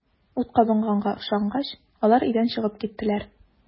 Ут кабынганга ышангач, алар өйдән чыгып киттеләр.